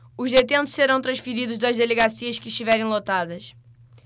os detentos serão transferidos das delegacias que estiverem lotadas